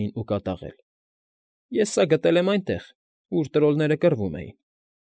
Էին ու կատաղել։֊ Ես սա գտել եմ այնտեղ, ուր տրոլները կռվում էին։